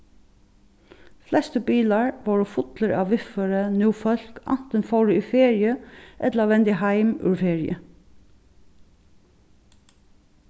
flestu bilar vóru fullir av viðføri nú fólk antin fóru í feriu ella vendu heim úr feriu